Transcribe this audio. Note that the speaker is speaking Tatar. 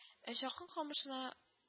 Ә чакын камышына